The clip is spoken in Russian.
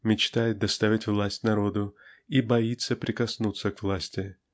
мечтает доставить власть народу и боится прикоснуться к власти